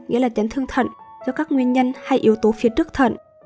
nghĩa là chấn thương thận do các nguyên nhân hay yếu tố phía trước thận